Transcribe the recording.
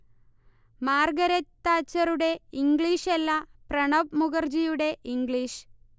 Margaret താച്ചറുടെ ഇംഗ്ലീഷല്ല, പ്രണബ് മുഖർജിയുടെ ഇംഗ്ലീഷ്